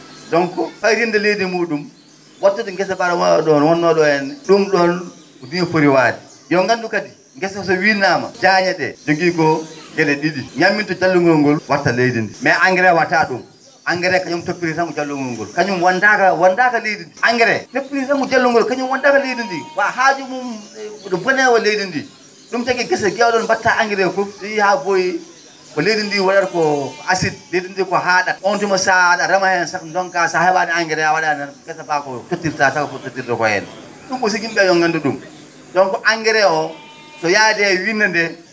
donc ?aytinde leydi mu?um wattu ngesa mbaa ?o wonno ?o henna ?um ?on ko bi foyi wade yo nganndu kadi ngesa so winnaama jaañe ?e jogii ko ge?e ?i?i ñammintu jallungol ngol watta leydi ndi mais engrais wa?ataa ?um engrais kañum toppitii tan ko jallungol ngol kañum wonndaaka leydi ndii engrais toppitii tan ko jallungol ngol kañum wonndaaka leydi ndi haaju mum ne bone leydi ndi ?um tagi gese keew?e mo mba?ataa engrais fof so yahii haa ?ooyii ko leydi ndii wa?ata ko acide leydi ndi ko haa?at on tuma so a?a rema heen sah ndonkaa so a he?aani engrais a wa?aani tan ngesa mbaa fof tottirtaa taw ko tottirtaa henna ?um aussi yim?e ?ee yo nganndu ?um donc angrais oo so yahdii e winnde ndee